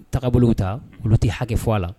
Tagabolow ta olu tɛ hakɛ fɔ a la